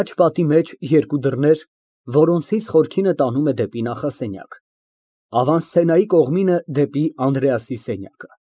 Աջ պատի մեջ երկու դռներ, որոնցից խորքինը տանում է դեպի նախասենյակ, իսկ մյուսը՝ դեպի Անդրեասի սենյակը։